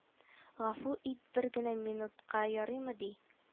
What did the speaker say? Гафу ит бер генә минутка ярыймы ди